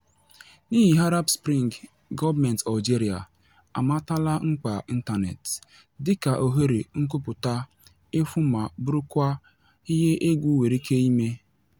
N'ihi Arab Spring, gọọmentị Algeria amatala mkpa ịntaneetị, dịka ohere nkwupụta efu ma bụrụkwa ihe egwu nwere ike ime.